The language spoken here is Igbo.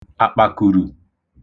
àkpàkùrù